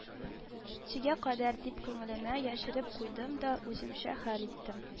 Чегә кадәр дип күңелемә яшереп куйдым да үземчә хәл иттем